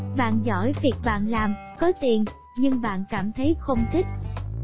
bạn giỏi việc bạn làm có tiền nhưng bạn cảm thấy không thích